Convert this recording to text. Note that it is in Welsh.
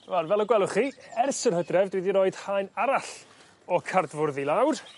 Wel fel y gwelwch chi ers yr Hydref dwi 'di roid haen arall o'r cardfwrdd i lawr